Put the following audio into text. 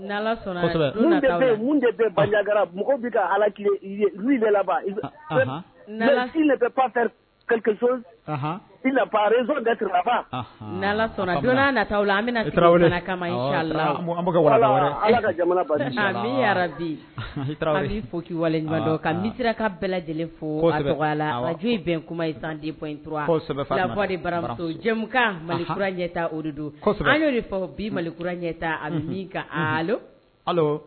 Ta ka misi ka bɛɛ lajɛlen foj bɛn kuma san bɔ baramukura ɲɛta o de don fɔ bi malikura ɲɛ ka